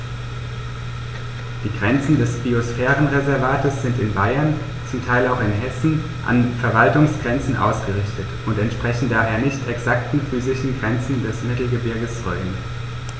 Die Grenzen des Biosphärenreservates sind in Bayern, zum Teil auch in Hessen, an Verwaltungsgrenzen ausgerichtet und entsprechen daher nicht exakten physischen Grenzen des Mittelgebirges Rhön.